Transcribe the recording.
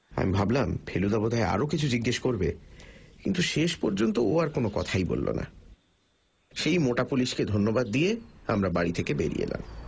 আমি ভাবলাম ফেলুদা বোধহয় আরও কিছু জিজ্ঞেস করবে কিন্তু শেষ পর্যন্ত ও আর কোনও কথাই বলল না সেই মোটা পুলিশকে ধন্যবাদ দিয়ে আমরা বাড়ি থেকে বেরিয়ে এলাম